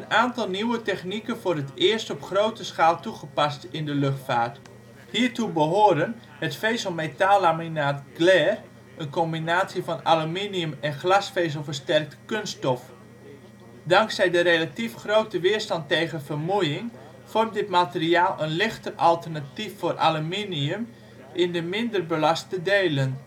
aantal nieuwe technieken voor het eerst op grote schaal toegepast worden in de luchtvaart. Hiertoe behoren: Het vezel-metaal-laminaat Glare; een combinatie van aluminium en glasvezel-versterke kunststof. Dankzij de relatief grote weerstand tegen vermoeiing vormt dit materiaal een lichter alternatief voor aluminium in de minder belaste delen